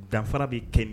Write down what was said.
Danfara bɛ kɛ.